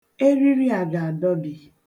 Eriri a ga-adọbi.